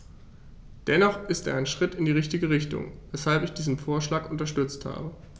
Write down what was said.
Dennoch ist er ein Schritt in die richtige Richtung, weshalb ich diesen Vorschlag unterstützt habe.